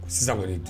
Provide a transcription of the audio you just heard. Sisan kɔni